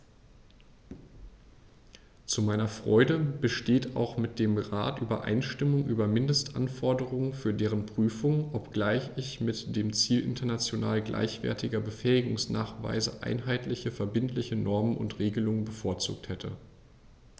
Zu meiner Freude besteht auch mit dem Rat Übereinstimmung über Mindestanforderungen für deren Prüfung, obgleich ich mit dem Ziel international gleichwertiger Befähigungsnachweise einheitliche verbindliche Normen und Regelungen bevorzugt hätte.